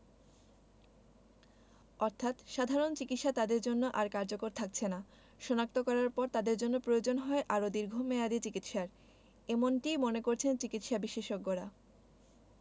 অর্থাৎ সাধারণ চিকিৎসা তাদের জন্য আর কার্যকর থাকছেনা শনাক্ত করার পর তাদের জন্য প্রয়োজন হয় আরও দীর্ঘমেয়াদি চিকিৎসার এমনটিই মনে করছেন চিকিৎসাবিশেষজ্ঞরা